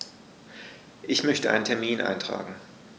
Ich möchte einen Termin eintragen.